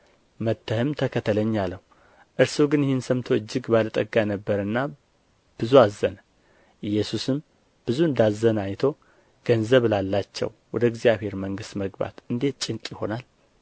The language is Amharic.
መጥተህም ተከተለኝ አለው እርሱ ግን ይህን ሰምቶ እጅግ ባለ ጠጋ ነበርና ብዙ አዘነ ኢየሱስም ብዙ እንዳዘነ አይቶ ገንዘብ ላላቸው ወደ እግዚአብሔር መንግሥት መግባት እንዴት ጭንቅ ይሆናል